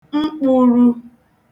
mkpūru